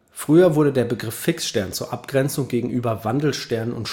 Früher wurde der Begriff Fixstern zur Abgrenzung gegenüber Wandelsternen